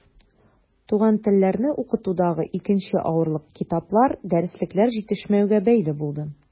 Туган телләрне укытудагы икенче авырлык китаплар, дәреслекләр җитешмәүгә бәйле булды.